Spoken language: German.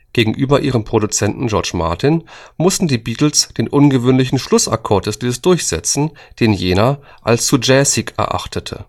Gegenüber ihrem Produzenten George Martin mussten die Beatles den ungewöhnlichen Schlussakkord des Liedes durchsetzen, den jener als zu jazzig erachtete